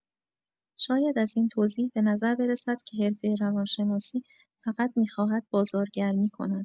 شاید از این توضیح به نظر برسد که حرفه روان‌شناسی فقط می‌خواهد بازارگرمی کند.